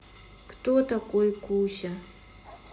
кто такая куся